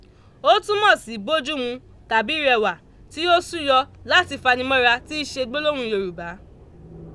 Ó túmọ̀ sí “bójúmu," tàbí “rẹwà," tí ó súyọ láti fanimó̩ra tí í ṣe gbólóhùn Yorùbá.